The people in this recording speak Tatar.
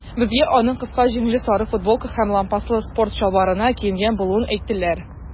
Безгә аның кыска җиңле сары футболка һәм лампаслы спорт чалбарына киенгән булуын әйттеләр.